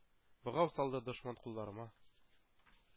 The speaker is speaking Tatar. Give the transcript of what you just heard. Богау салды дошман кулларыма